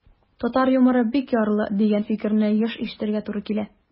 Татар юморы бик ярлы, дигән фикерне еш ишетергә туры килә.